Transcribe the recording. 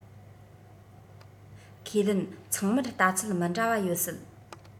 ཁས ལེན ཚང མར ལྟ ཚུལ མི འདྲ བ ཡོད སྲིད